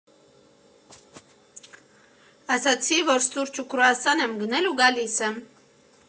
Ասացի, որ սուրճ ու կրուասան եմ գնել ու գալիս եմ»։